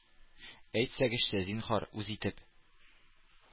Әйтсәгезче, зинһар, үз итеп,